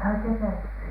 ai kesällä